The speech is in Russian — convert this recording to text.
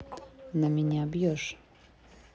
на меня бьешь